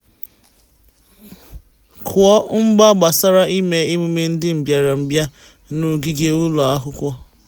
3. Kwuo mba gbasara ime emume ndị mbịarambịa n'ogige ụlọ akwụkwọ.